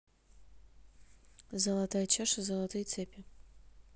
золотая чаша золотые цепи